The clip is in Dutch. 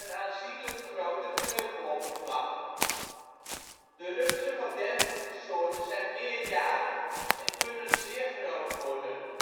aanzienlijk groter vleugeloppervlak. De rupsen van dergelijke soorten zijn meerjarig en kunnen zeer groot worden